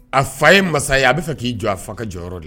A fa ye masaya ye a b bɛ fɛ k'i jɔ a fa ka jɔ de